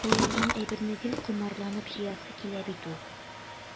Тыелган әйберне гел комарланып җыясы килә бит ул.